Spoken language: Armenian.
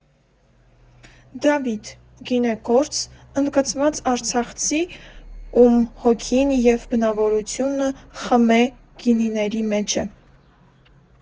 Դավիթ ֊ գինեգործ, ընդգծված արցախցի, ում հոգին և բնավորությունը ԽՄԷ գինիների մեջ է։